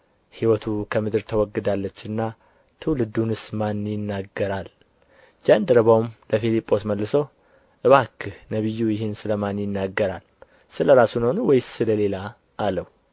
ሕይወቱ ከምድር ተወግዳለችና ትውልዱንስ ማን ይናገራል ጃንደረባውም ለፊልጶስ መልሶ እባክህ ነቢዩ ይህን ስለ ማን ይናገራል ስለ ራሱ ነውን ወይስ ስለ ሌላ አለው